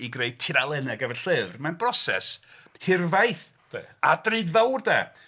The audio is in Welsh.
..i greu tudalennau ar gyfer llyfr, mae'n broses hirfaeth a drudfawr 'de.